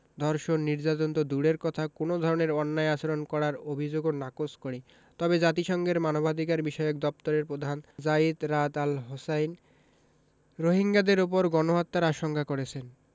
ধর্ষণ নির্যাতন তো দূরের কথা কোনো ধরনের অন্যায় আচরণ করার অভিযোগও নাকচ করে তবে জাতিসংঘের মানবাধিকারবিষয়ক দপ্তরের প্রধান যায়িদ রাদ আল হোসেইন রোহিঙ্গাদের ওপর গণহত্যার আশঙ্কা করেছেন